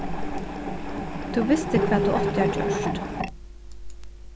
tú visti hvat tú átti at gjørt